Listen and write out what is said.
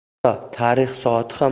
hatto tarix soati